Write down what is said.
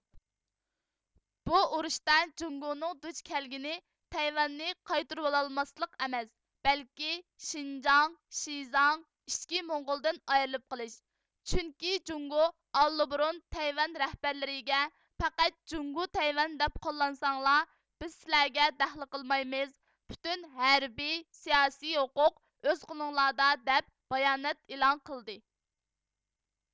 بۇ ئۇرۇشتا جۇڭگونىڭ دۇچ كەلگىنى تەيۋەننى قايتۇرۋالالماسلىق ئەمەس بەلكى شىنجاڭ شىزاڭ ئىچكى موڭغۇلدىن ئايرىلىپ قېلىش چۈنكى جۇڭگۇ ئاللىبۇرۇن تەيۋەن رەھبەرلىرىگە پەقەت جۇڭگۇ تەيۋەن دەپ قوللانساڭلار بىز سىلەرگە دەخلى قىلمايمىز پۈتۈن ھەربى سىياسى ھوقۇق ئۆز قولۇڭلاردا دەپ بايانات ئېلان قىلدى